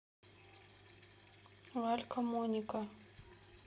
валь камоника